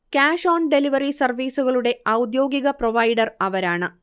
cash on delivery സർവ്വീസുകളുടെ ഔദ്യോഗിക provider അവരാണ്